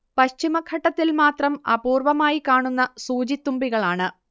പശ്ചിമഘട്ടത്തിൽ മാത്രം അപൂർവ്വമായി കാണുന്ന സൂചിത്തുമ്പികളാണ്